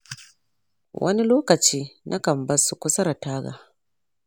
wani lokaci nakan barsu kusa da taga.